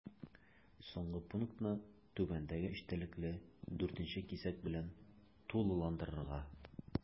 Соңгы пунктны түбәндәге эчтәлекле 4 нче кисәк белән тулыландырырга.